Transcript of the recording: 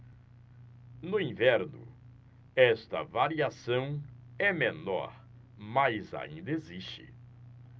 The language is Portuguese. no inverno esta variação é menor mas ainda existe